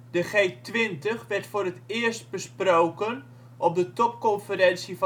De G20 werd voor het eerst besproken op de topconferentie